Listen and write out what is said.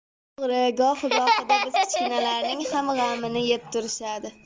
to'g'ri gohi gohida biz kichkinalarning ham g'amini yeb turishadi